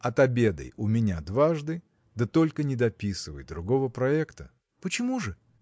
– Отобедай у меня дважды, да только не дописывай другого проекта. – Почему же?